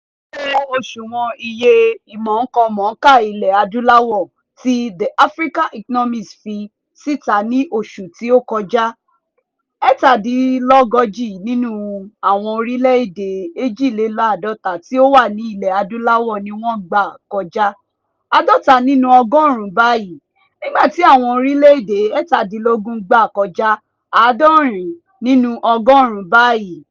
Wíwo òṣùwọ̀n iye ìmọ̀ọ́kọmọ̀ọ́kà ilẹ̀ Adúláwò tí The African Economist fi síta ní oṣù tí ó kọjá, 37 nínú àwọn orílẹ̀ èdè 52 tí ó wà ní Ilẹ̀ Adúláwò ní wọ́n gbà kọjá 50 nínú ọgọ́rùn-ún báyìí, nígbà tí àwọn orílẹ̀ èdè 17 gbà kọjá 70 nínú ọgọ́rùn-ún báyìí.